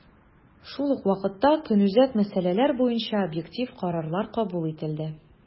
Шул ук вакытта, көнүзәк мәсьәләләр буенча объектив карарлар кабул ителде.